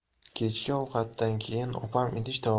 kechki ovqatdan keyin opam idish